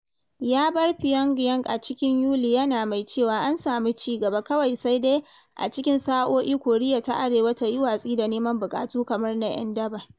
Ya bar Pyongyang a cikin Yuli yana mai cewa an samu ci gaba, kawai sai dai a cikin sa’o’i Koriya ta Arewa ta yi watsi da neman “buƙatu kamar na 'yan daba.”